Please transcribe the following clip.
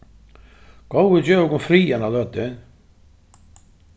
góði gev okum frið eina løtu